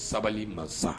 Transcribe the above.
Sabali masa